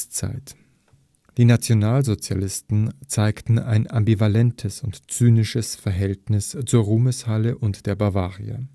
Die Nationalsozialisten zeigten ein ambivalentes und zynisches Verhältnis zur Ruhmeshalle und der Bavaria